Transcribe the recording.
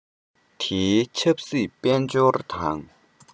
དེའི ཆབ སྲིད དཔལ འབྱོར དང